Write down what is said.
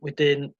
wedyn